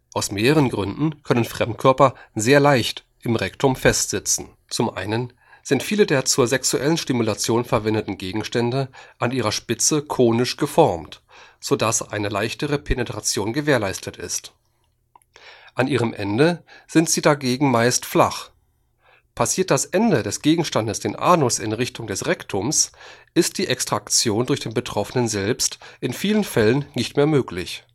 Aus mehreren Gründen können Fremdköper sehr leicht im Rektum festsitzen. Zum einen sind viele der zur sexuellen Stimulation verwendeten Gegenstände an ihrer Spitze konisch geformt, so dass eine leichtere Penetration gewährleistet ist. An ihrem Ende sind sie dagegen meist flach. Passiert das Ende des Gegenstandes den Anus in Richtung des Rektums, ist die Extraktion durch den Betroffenen selbst in vielen Fällen nicht mehr möglich